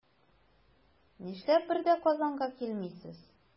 Нишләп бер дә Казанга килмисез?